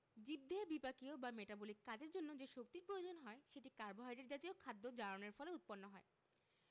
জীবদেহে বিপাকীয় বা মেটাবলিক কাজের জন্য যে শক্তির প্রয়োজন হয় সেটি কার্বোহাইড্রেট জাতীয় খাদ্য জারণের ফলে উৎপন্ন হয়